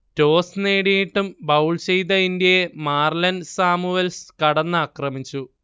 toss നേടിയിട്ടും bowl ചെയ്ത ഇന്ത്യയെ മാർലൺ സാമുവൽസ് കടന്നാക്രമിച്ചു